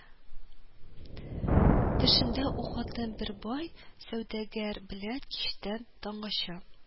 Төшендә ул хатын бер бай сәүдәгәр белән кичтән таңгача